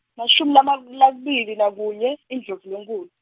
mashumi lamab- labili nakunye Indlovulenkhulu.